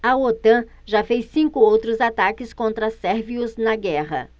a otan já fez cinco outros ataques contra sérvios na guerra